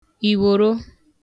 ìworo